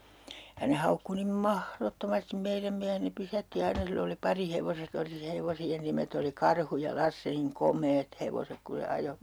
ja ne haukkui niin mahdottomasti meidän miehen ne pysäytti aina sillä oli parihevoset oli se hevosien nimet oli Karhu ja Lasse niin komeat hevoset kun se ajoi